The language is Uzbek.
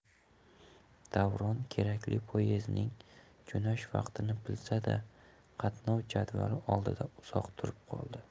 davron kerakli poezdning jo'nash vaqtini bilsa da qatnov jadvali oldida uzoq turib qoldi